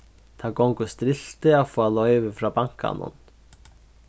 tað gongur striltið at fáa loyvi frá bankanum